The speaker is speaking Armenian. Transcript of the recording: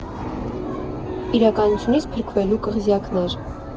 ԻՐԱԿԱՆՈՒԹՅՈՒՆԻՑ ՓՐԿՎԵԼՈՒ ԿՂԶՅԱԿՆԵՐ։